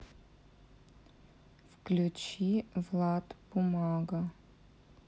включи влад бумага